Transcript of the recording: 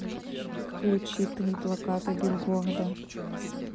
включи три плаката билборда